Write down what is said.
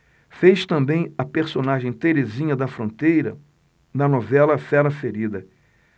fez também a personagem terezinha da fronteira na novela fera ferida